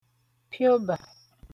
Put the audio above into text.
piobà